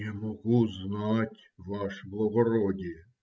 - Не могу знать, ваше благородие.